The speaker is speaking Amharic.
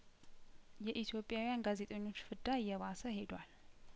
የኢትዮጵያውያን ጋዜጠኞች ፍዳ እየባሰ ሄዷል